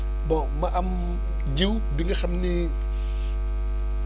bon ma am jiw bi nga xam ni